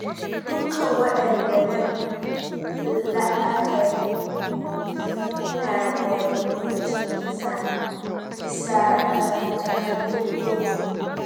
Dukkan waɗanda nan la'akari su na da hukuncin kisa, bisa ga takardun kotu.